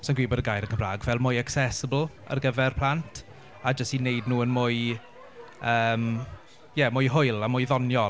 Sa i'n gwybod y gair yn Gymraeg, fel mwy accessible ar gyfer plant a jyst i wneud nhw yn yym ie mwy hwyl a mwy ddoniol.